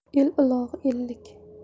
el ulog'i ellik